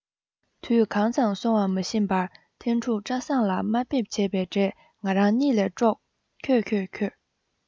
དུས གང ཙམ སོང བ མ ཤེས པར ཐན ཕྲུག བཀྲ བཟང ལ དམའ འབེབས བྱེད པའི སྒྲས ང རང གཉིད ལས དཀྲོགས ཁྱོད ཁྱོད ཁྱོད